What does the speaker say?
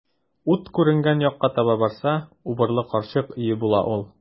Ут күренгән якка барса, убырлы карчык өе була бу.